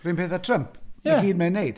Yr un peth a Trump, dyna i gyd mae e'n wneud.